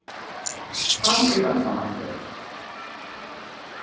hann er einsamallur